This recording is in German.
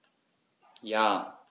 Ja.